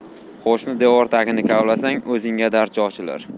qo'shni devor tagini kavlasang o'zingga darcha ochilar